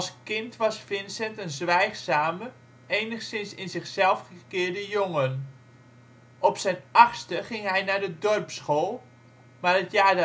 kind was Vincent een zwijgzame, enigszins in zichzelf gekeerde jongen. Op zijn achtste ging hij naar de dorpsschool, maar het jaar